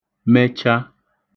mecha